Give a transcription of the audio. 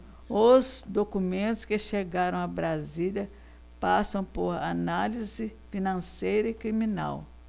os documentos que chegaram a brasília passam por análise financeira e criminal